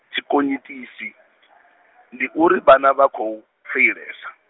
thikhonyitisi, ndi uri vhana vha khou, feilesa.